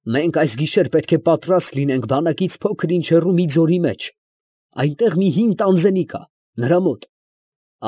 Մենք այս գիշեր պետք է պատրաստ լինենք բանակից փոքր֊ինչ հեռու մի ձորի մեջ, այնտեղ մի հին տանձենի կա, նրա մոտ։